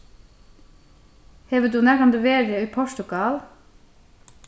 hevur tú nakrantíð verið í portugal